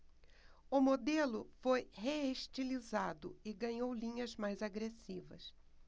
o modelo foi reestilizado e ganhou linhas mais agressivas